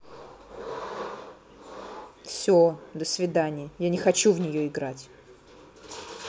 все до свидания я не хочу в нее играть